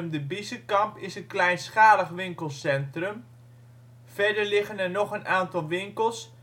de Biezenkamp is een kleinschalig winkelcentrum, verder liggen er nog een aantal winkels